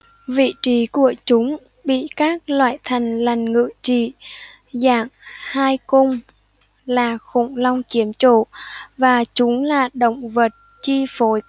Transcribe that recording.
vị trí của chúng bị các loại thằn lằn ngự trị dạng hai cung là khủng long chiếm chỗ và chúng là động vật chi phối